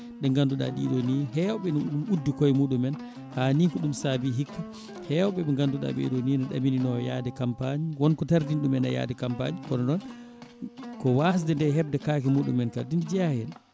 ɗe ganduɗa ɗiɗo ni hewɓe ne ɗum uddi kooye muɗumen ha ni ko ɗum saabi hikka hewɓe ɓe ganduɗa ɓeeɗo ni ne ɗaminino yaade campagne wponko tardini ɗumen e yaade campagne kono noon ko wasde nde hebde kaake muɗumen kadi ne jeeya hen